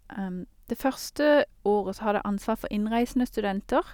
Det første året så hadde jeg ansvar for innreisende studenter.